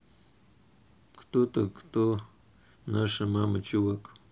кто то кто наша мама чувак